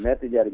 merci jërëjëf